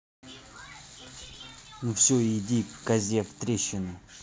ну все иди козе в трещину